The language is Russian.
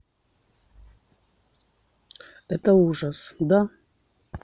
это ужас да